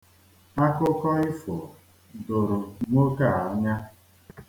Akụkọ ifo doro nwoke anya.